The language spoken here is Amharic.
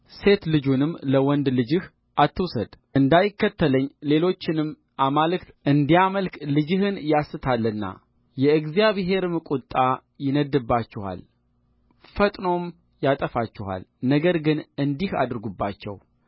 ሴት ልጁንም ለወንድ ልጅህ አትውሰድእንዳይከተለኝ ሌሎችንም አማልክት እንዲያመልክ ልጅህን ያስታልና የእግዚአብሔርም ቍጣ ይነድድባችኋል ፈጥኖም ያጠፋችኋልነገር ግን እንዲህ አድርጉባቸው